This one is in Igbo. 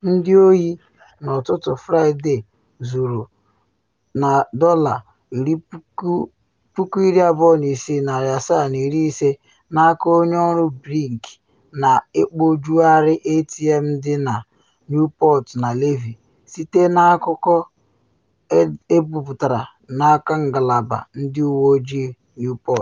Ndị oyi n’ụtụtụ Fraịde zuru $26,750 n’aka onye ọrụ Brink na ekpojugharị ATM dị na Newport na Levee, site na akụkọ ebuputere n’aka Ngalaba Ndị Uwe Ojii Newport.